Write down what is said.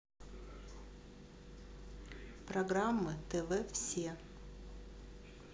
программы тв все